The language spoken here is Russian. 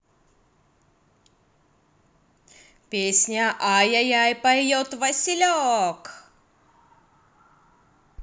песня ай яй яй поет василек